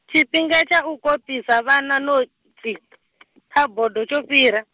tshifhinga tsha u kopisa vhana notsi, kha bodo tsho fhira.